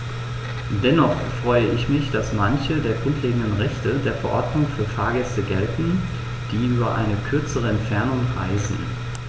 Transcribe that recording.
Dennoch freue ich mich, dass manche der grundlegenden Rechte der Verordnung für Fahrgäste gelten, die über eine kürzere Entfernung reisen.